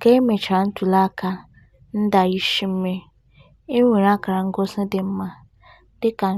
ka e mechara ntuliaka Ndayishimye, e nwere akara ngosị dị mma, dịka